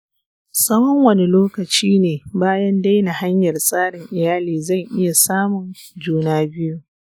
tsawon wane lokaci ne bayan daina hanyar tsarin iyali zan iya samun juna biyu?